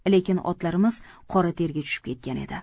lekin otlarimiz qora terga tushib ketgan edi